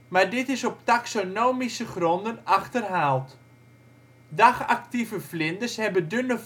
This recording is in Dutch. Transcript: maar dit is op taxonomische gronden achterhaald. Dagactieve vlinders hebben dunne